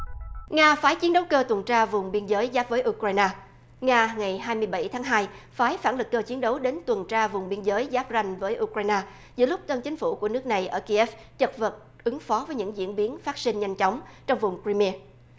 nga phái chiến đấu cơ tuần tra vùng biên giới giáp với u cờ rai na nga ngày hai mươi bảy tháng hai phái phản lực cơ chiến đấu đến tuần tra vùng biên giới giáp ranh với u cờ rai na giữa lúc trong chính phủ của nước này ở kia chật vật ứng phó với những diễn biến phát sinh nhanh chóng trong vùng ri mia